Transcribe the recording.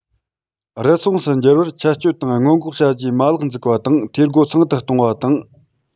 རུལ སུངས སུ འགྱུར བར ཆད གཅོད དང སྔོན འགོག བྱ རྒྱུའི མ ལག འཛུགས པ དང འཐུས སྒོ ཚང དུ གཏོང བ དང